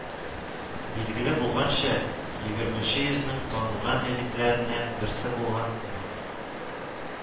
Билгеле булганча, егерменче йөзнең танылган әдипләреннән берсе булган Мы